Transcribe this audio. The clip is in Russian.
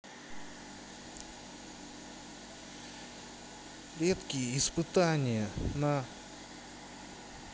редкие испытания на